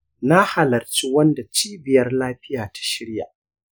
na halarci wanda cibiyar lafiya ta shirya.